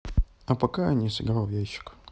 а пока не сыграл в ящик